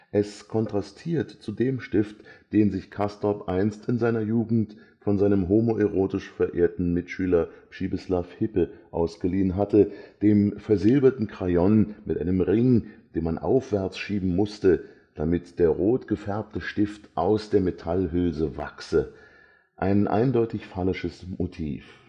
Es kontrastiert zu dem Stift, den sich Castorp einst in seiner Jugend von seinem homoerotisch verehrten Mitschüler Přibislav Hippe ausgeliehen hatte, dem „ versilberten Crayon mit einem Ring, den man aufwärts schieben musste, damit der rot gefärbte Stift aus der Metallhülse wachse “– ein eindeutig phallisches Motiv